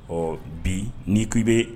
Ɔ bi n'i k'i be